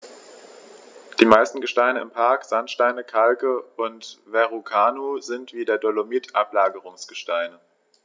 Die meisten Gesteine im Park – Sandsteine, Kalke und Verrucano – sind wie der Dolomit Ablagerungsgesteine.